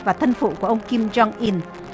và thân phụ của ông kim giong in